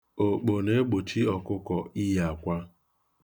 Okpo na-egbochi ọkụkọ iyi akwa.